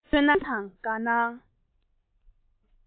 ལྷན དུ འཐབ པའི བརྒྱུད རིམ ཞིག ཀྱང རེད